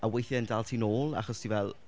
A weithiau'n dal ti nôl, achos ti fel...